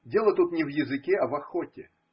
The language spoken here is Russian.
Дело тут не в языке, а в охоте.